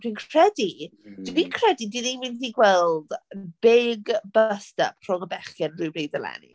Dwi'n credu... dwi'n credu dan ni'n mynd i gweld big bust up rhwng y bechgyn rhywbryd eleni.